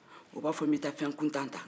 o b'a fɔ min taa fɛn kunta ta